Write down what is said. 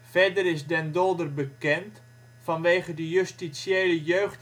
Verder is Den Dolder bekend vanwege de justitiële